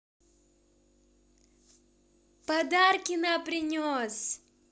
подарки на принес